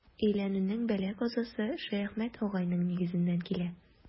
Өйләнүнең бәла-казасы Шәяхмәт агайның нигезеннән килә.